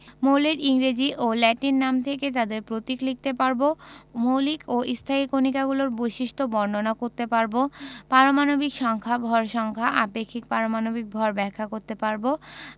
মৌলের ইংরেজি ও ল্যাটিন নাম থেকে তাদের প্রতীক লিখতে পারব মৌলিক ও স্থায়ী কণিকাগুলোর বৈশিষ্ট্য বর্ণনা করতে পারব পারমাণবিক সংখ্যা ভর সংখ্যা আপেক্ষিক পারমাণবিক ভর ব্যাখ্যা করতে পারব